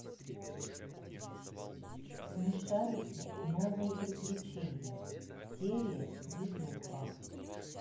смешарики новые приключения серия везуха